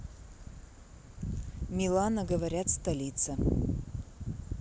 милана говорят столица